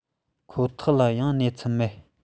ཁོ ཐག ལ ཡང གནས ཚུལ མེད